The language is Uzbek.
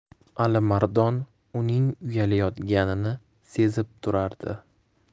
alimardon uning uyalayotganini sezib turardi